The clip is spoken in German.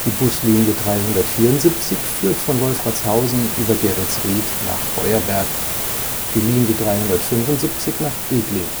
Buslinie 374 führt von Wolfratshausen über Geretsried nach Beuerberg, die Linie 375 nach Egling